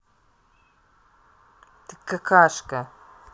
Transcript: тык какашка